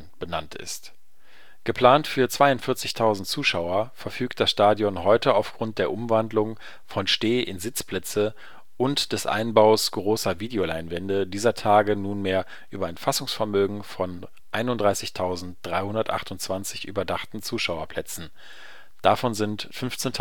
benannt ist. Geplant für 42.000 Zuschauer, verfügt das Stadion heute aufgrund der Umwandlung von Steh - in Sitzplätze und des Einbaus großer Videoleinwände diesertage nurmehr über ein Fassungsvermögen von 31.328 überdachten Zuschauerplätzen; davon sind 15.689